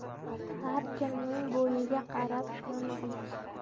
har kimning bo'yiga qarab to'n bich